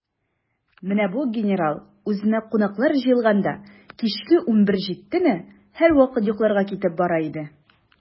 Менә бу генерал, үзенә кунаклар җыелганда, кичке унбер җиттеме, һәрвакыт йокларга китеп бара иде.